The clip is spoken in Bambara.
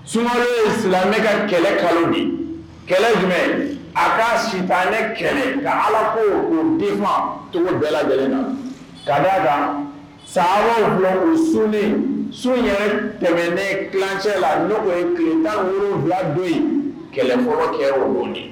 Sumaworo ye silamɛ ne ka kɛlɛ kalo de kɛlɛ jumɛn a ka sita ne kɛlɛ nka ala ko' bifa bɛɛ lajɛlen na ka' aa kan sa bila u sun sun yɛrɛ kɛmɛ ne ticɛ la n'o ye kida worowula don yen kɛlɛfɔlɔ kɛ o don de